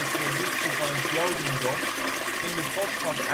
traditie van het jodendom in de God van